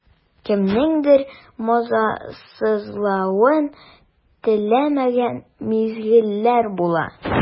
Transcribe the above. Кемнеңдер мазасызлавын теләмәгән мизгелләр була.